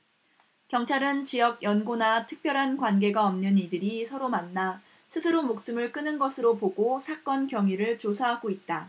경찰은 지역 연고나 특별한 관계가 없는 이들이 서로 만나 스스로 목숨을 끊은 것으로 보고 사건 경위를 조사하고 있다